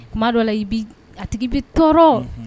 Kuma dɔ la i a tigi bɛ tɔɔrɔ